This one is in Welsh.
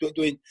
dw dwi'n